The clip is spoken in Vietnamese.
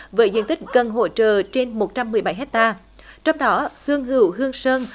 với diện tích cần hỗ trợ trên một trăm mười bảy héc ta trong đó hương hữu hương sơn